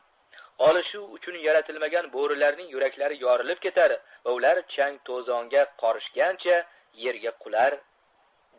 olishuv uchun yaratilmagan bo'rilarning yuraklari yorilib ketar va ular chang to'zonga qorishgancha yerga qular